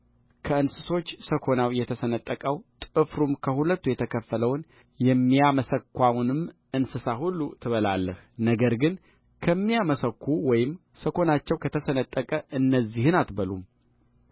ከእንስሶች ሰኮናው የተሰነጠቀውን ጥፍሩም ከሁለት የተከፈለውን የሚያመሰኳውንም እንስሳ ሁሉ ትበላለህ ነገር ግን ከሚያመሰኩ ወይም ሰኮናቸው ከተሰነጠቀ እነዚህን አትበሉም